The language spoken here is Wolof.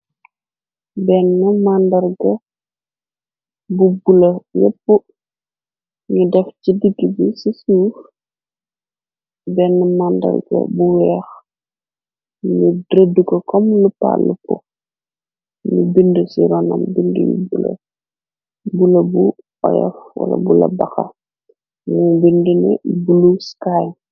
Benn màndargbu bula yépp ngi def ci digg bi ci suuf benn màndarga bu weex ni rëdd ko kom lu pàllu po ni bind ci ronam bind y bule bu oyof wala bula baxa mu bind ne bulu sky.